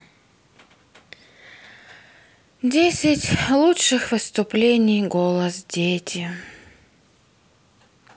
десять лучших выступлений голос дети